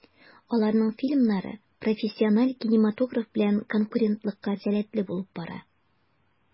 Аларның фильмнары профессиональ кинематограф белән конкурентлыкка сәләтле булып бара.